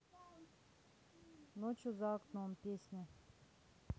ночью за окном песня